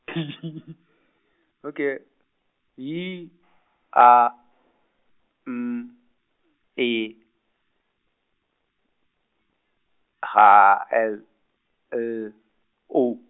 ok Y, A, M, E, H L, L, O.